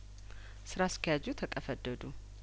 ስራ አስኪያጁ ተቀፈደዱ